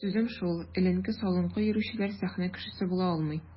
Сүзем шул: эленке-салынкы йөрүчеләр сәхнә кешесе була алмый.